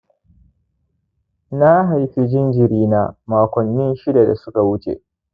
na haifi jinjiri na makonnin shida da su ka wuce